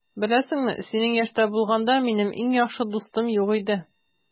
Беләсеңме, синең яшьтә булганда, минем иң яхшы дустым юк иде.